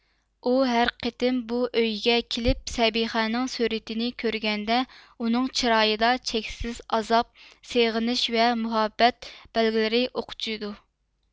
ئۇ ھەر قېتىم بۇ ئۆيگە كېلىپ سەبىخەنىڭ سۈرىتىنى كۆرگەندە ئۇنىڭ چىرايىدا چەكسىز ئازاب سېغىنىش ۋە مۇھەببەت بەلگىلىرى ئوقچۇيدۇ